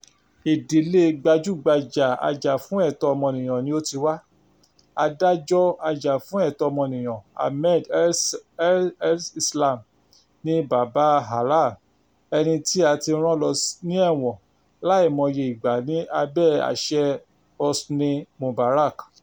Ìdílé gbajúgbajà ajàfúnẹ̀tọ́ ọmọnìyàn ni ó ti wà, adájọ́ ajàfúnẹ̀tọ́ ọmọnìyàn Ahmed Seif El Islam, ni bàbáa Alaa, ẹni tí a ti rán lọ ní ẹ̀wọ̀n láì mọye ìgbà ní abẹ́ àṣẹ Hosni Mubarak.